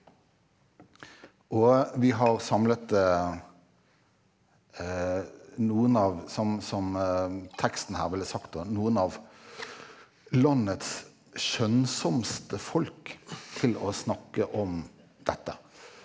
og vi har samlet noen av som som teksten her ville sagt da noen av landets skjønnsomste folk til å snakke om dette.